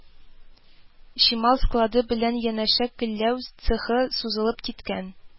Чимал склады белән янәшә көлләү цехы сузылып киткән